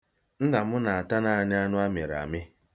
Nna m na-ata naanị anụ a mịrị amị.